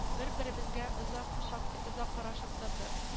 Бер-беребезгә озак, шактый озак карашып тордык